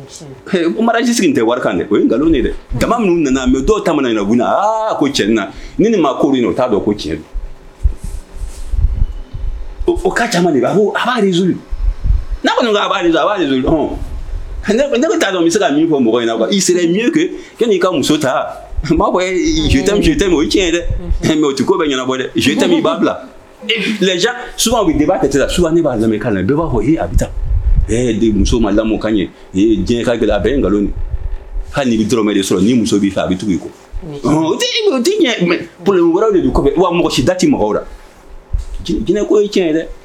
Kojisi tɛ wari nkalon dɛ minnu nana mɛ dɔw ta in na koin na ni ni ma ko'a dɔn ko cɛn o ka bz'a kɔni bz ba ne bɛ taa dɔn bɛ se ka min fɔ mɔgɔ ɲɛna wa i sera kɛ'i ka muso ta b'a o cɛn dɛ mɛ o tɛ ko bɛ ɲɛnabɔ dɛ b ba bila lajɛ su bɛ de b'a tɛla su b'a lammikan la i bɛɛ b'a fɔ h a bɛ taa muso ma lamɔmukan ɲɛ jinɛka gɛlɛ a bɛ n nkalon hali bɛ dɔrɔnurama de sɔrɔ ni muso b'i fɛ a bɛ tugu i wɛrɛw de don wa mɔgɔ si da tɛ mɔgɔw la jinɛ tiɲɛ ye dɛ